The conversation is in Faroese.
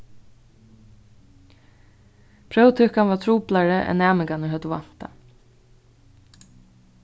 próvtøkan var truplari enn næmingarnir høvdu væntað